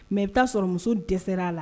Mais i be taa sɔrɔ muso dɛsɛr'a la